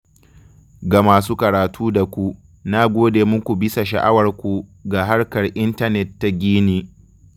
Ga masu karatu da ku, na gode muku bisa sha'awarku ga harkar intanet ta Guinea.